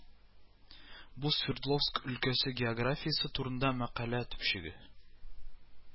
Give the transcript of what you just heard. Бу Свердловск өлкәсе географиясе турында мәкалә төпчеге